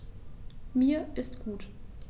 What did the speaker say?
Mir ist gut.